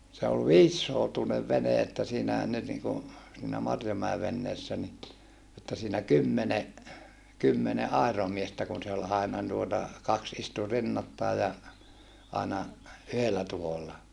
se oli viisisoutuinen vene että siinähän nyt niin kuin siinä Marjomäen veneessä niin että siinä kymmenen kymmenen airomiestä kun se oli aina tuota kaksi istui rinnattain ja aina yhdellä tuhdolla